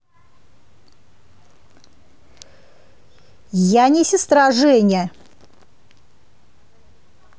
я не сестра женя